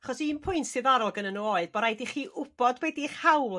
achos un pwynt diddorol gyno n'w oedd bo' raid i chi w'bod be 'di'ch hawl